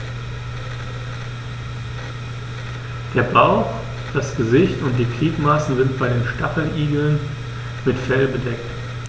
Der Bauch, das Gesicht und die Gliedmaßen sind bei den Stacheligeln mit Fell bedeckt.